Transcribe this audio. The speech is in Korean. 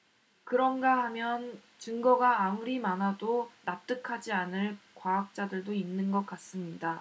그런가 하면 증거가 아무리 많아도 납득하지 않을 과학자들도 있는 것 같습니다